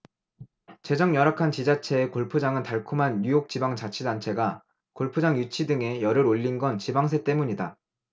재정 열악한 지자체에 골프장은 달콤한 유혹지방자치단체가 골프장 유치 등에 열을 올린 건 지방세 때문이다